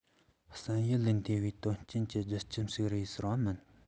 བསམ ཡུལ ལས འདས པའི དོན རྐྱེན གྱི རྒྱུ རྐྱེན ཞིག རེད ཟེར བ མིན